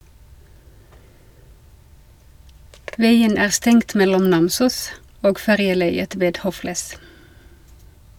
- Veien er stengt mellom Namsos og ferjeleiet ved Hofles.